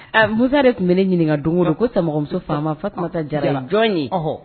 A musa de tun bɛ ne ɲininka don o ko samamuso faama fatuma taa jara jɔn ye